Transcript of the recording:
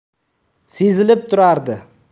sezilib turardi